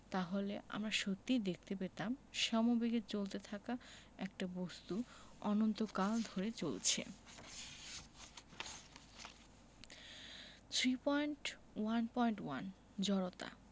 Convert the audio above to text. তাহলে আমরা সত্যিই দেখতে পেতাম সমবেগে চলতে থাকা একটা বস্তু অনন্তকাল ধরে চলছে 3.1.1 জড়তা